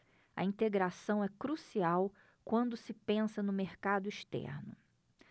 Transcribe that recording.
a integração é crucial quando se pensa no mercado externo